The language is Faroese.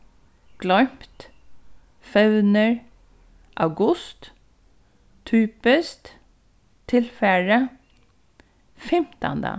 gloymt fevnir august typiskt tilfarið fimtanda